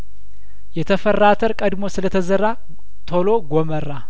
የተፈራ አተር ቀድሞ ስለተዘራ ቶሎ ጐመራ